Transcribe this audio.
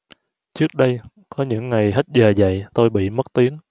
trước đây có những ngày hết giờ dạy tôi bị mất tiếng